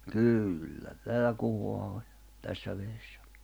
kyllä täällä kuhaa oli tässä vedessä